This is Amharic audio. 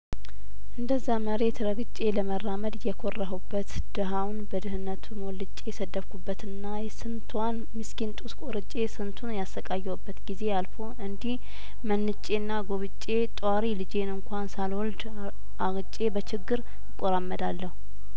እንደዛ መሬት ረግጬ ለመራመድ የኮራሁበት ደሀውን በድህነቱ ሞልጬ የተሳድብኩበትና የስንቷን ምስኪን ጡት ቆርጬ ስንቱን ያሰቃየሁበት ጊዜ አልፎ እንዲህ መንጬና ጐብጬ ጧሪ ልጄን እንኳን ሳልወልድ አርጬ በችግር እቆራመደልሁ